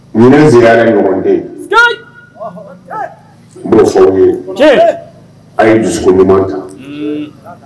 Ɲin ɲɔgɔn den muso ye cɛ a ye dusu duman kan